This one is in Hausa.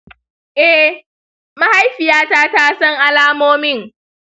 eh, mahaifiyata ta san alamomin.